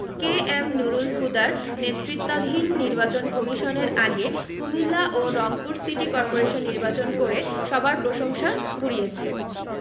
কে M Nurul হুদার নেতৃত্বাধীন নির্বাচন কমিশন এর আগে কুমিল্লা ও রংপুর সিটি করপোরেশন নির্বাচন করে সবার প্রশংসা কুড়িয়েছে